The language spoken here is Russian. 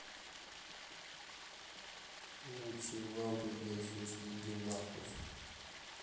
лучшие лампы для сушки гель лаков